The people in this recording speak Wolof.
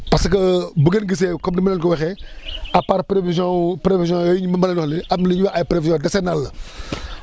parce ce que bu ngeen gisee comme ni ma leen ko waxee à part prévisions prévisions yooyu ma leen wax nii am lu ñuy wax ay prévisions décenales la